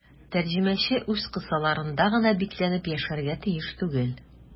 Тәрҗемәче үз кысаларында гына бикләнеп яшәргә тиеш түгел.